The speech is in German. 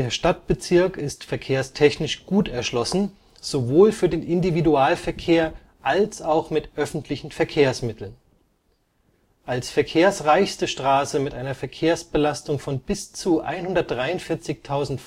Stadtbezirk ist verkehrstechnisch gut erschlossen, sowohl für den Individualverkehr als auch mit öffentlichen Verkehrsmitteln. Westlicher Ausgang des Brudermühltunnels am Mittleren Ring, im Hintergrund das Heizkraftwerk Süd der Stadtwerke München an der Brudermühlbrücke Als verkehrsreichste Straße mit einer Verkehrsbelastung von 2005 täglich bis zu 143.000 Fahrzeugen